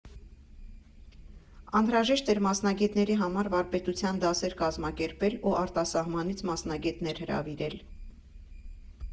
Անհրաժեշտ էր մասնագետների համար վարպետության դասեր կազմակերպել ու արտասահմանից մասնագետներ հրավիրել։